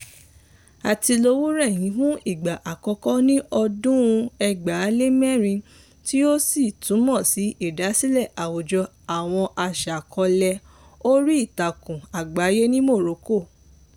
A ti lo wúnrẹ̀n yìí fún ìgbà àkọ́kọ́ ní ọdún 2004 tí ó sì túmọ̀ sí ìdásílẹ̀ àwùjọ àwọn aṣàkọọ́lẹ̀ oríìtakùn àgbáyé ní Morocco.